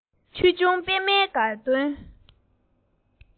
ཆོས འབྱུང པད མའི དགའ སྟོན